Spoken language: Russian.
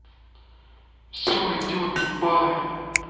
все идет тупая